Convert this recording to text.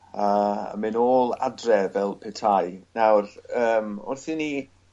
Yy mae nôl adre fel petai nawr yym wrth i ni